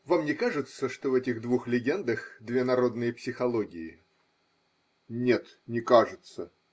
Вам не кажется, что в этих двух легендах – две народные психологии? – Нет, не кажется.